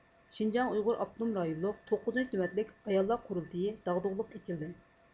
شىنجاڭ ئۇيغۇر ئاپتونوم رايونلۇق توققۇزىنچى نۆۋەتلىك ئاياللار قۇرۇلتىيى داغدۇغىلىق ئېچىلدى